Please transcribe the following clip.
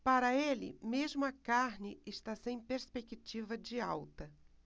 para ele mesmo a carne está sem perspectiva de alta